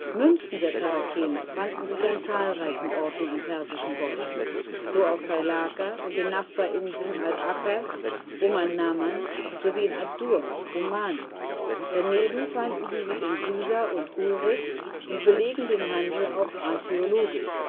Münzen der Charakene fanden sich an zahlreichen Orten am Persischen Golf, so auf Failaka und den Nachbarinseln al-Akaz, Umm an-Naman sowie in ad-Dur (Oman), daneben fanden sie sich in Susa und Uruk und belegen den Handel auch archäologisch